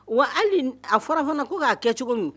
Wa hali a fɔra fana ko k'a kɛ cogo min